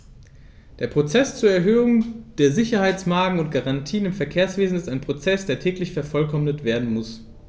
Der Prozess zur Erhöhung der Sicherheitsmargen und -garantien im Verkehrswesen ist ein Prozess, der täglich vervollkommnet werden muss.